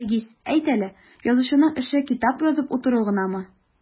Айгиз, әйт әле, язучының эше китап язып утыру гынамы?